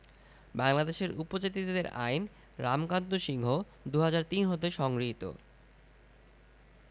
বাংলাদেশের উপজাতিদের আইন রামকান্ত সিংহ ২০০৩ হতে সংগৃহীত